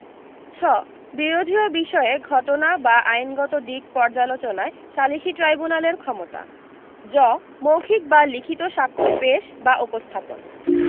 ছ বিরোধীয় বিষয়ে ঘটনা বা আইনগত দিক পর্যালোচনায় সালিসী ট্রাইব্যুনালের ক্ষমতা জ মৌখিক বা লিখিত সাক্ষ্য পেশ বা উপস্থাপন